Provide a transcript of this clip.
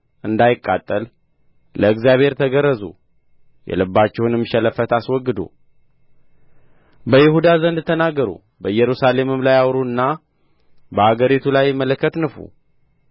እንዳይወጣ የሚያጠፋውም ሳይኖር እንዳያቃጥል ለእግዚአብሔር ተገረዙ የልባችሁንም ሸለፈት አስወግዱ በይሁዳ ዘንድ ተናገሩ በኢየሩሳሌምም ላይ አውሩና በአገሪቱ ላይ መለከት ንፉ